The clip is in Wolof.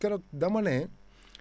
keroog dama ne